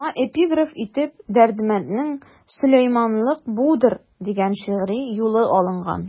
Аңа эпиграф итеп Дәрдмәнднең «Сөләйманлык будыр» дигән шигъри юлы алынган.